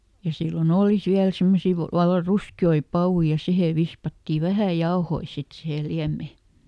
ja silloin oli siellä semmoisia - vallan ruskeita papuja ja siihen vispattiin vähän jauhoja sitten siihen liemeen